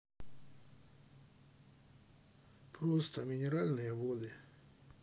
просто минеральные воды